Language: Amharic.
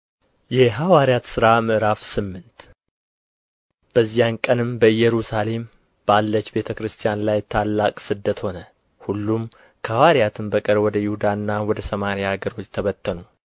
የሐዋርያት ሥራ ምዕራፍ ስምንት በዚያን ቀንም በኢየሩሳሌም ባለች ቤተ ክርስቲያን ላይ ታላቅ ስደት ሆነ ሁሉም ከሐዋርያትም በቀር ወደ ይሁዳና ወደ ሰማርያ አገሮች ተበተኑ